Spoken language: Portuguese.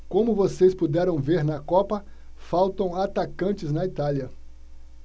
como vocês puderam ver na copa faltam atacantes na itália